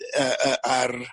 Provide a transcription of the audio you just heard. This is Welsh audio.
yy yy ar